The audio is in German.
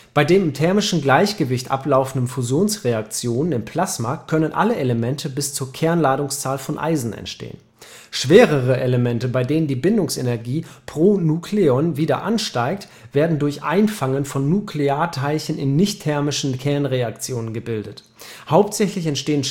Bei den im thermischen Gleichgewicht ablaufenden Fusionsreaktionen im Plasma können alle Elemente bis zur Kernladungszahl von Eisen entstehen. Schwerere Elemente, bei denen die Bindungsenergie pro Nukleon wieder ansteigt, werden durch Einfangen von Nuklearteilchen in nichtthermischen Kernreaktionen gebildet. Hauptsächlich entstehen